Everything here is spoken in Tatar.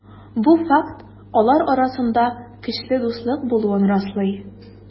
Бу факт алар арасында көчле дуслык булуын раслый.